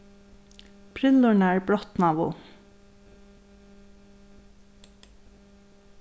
brillurnar brotnaðu